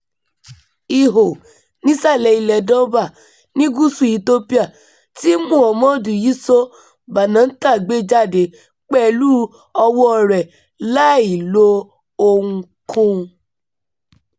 Ihò nísàlẹ̀ ilẹ̀ẹ Dunbar ní gúúsù Ethiopia tí Mohammed Yiso Banatah gbẹ́ jáde pẹ̀lú ọwọ́ọ rẹ̀ láì lo ohunkóhun.